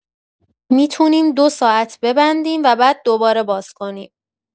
می‌تونیم دو ساعت ببندیم و بعد دوباره باز کنیم.